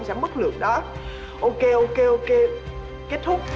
mất lượt đó ô kê ô kê ô kê kết thúc